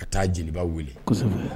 A ka taa jeliba weele